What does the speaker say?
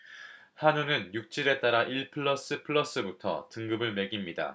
한우는 육질에 따라 일 플러스 플러스부터 등급을 매깁니다